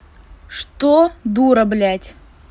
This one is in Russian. что дура блять